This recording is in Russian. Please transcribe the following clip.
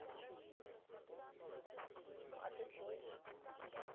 а ты джой